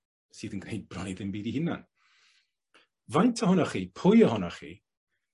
Sydd yn gwneud braidd ddim byd 'i hunan. Faint ohonoch chi pwy ohonoch chi